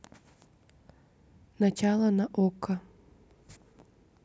начало на окко